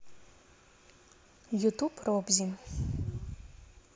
ютуб робзи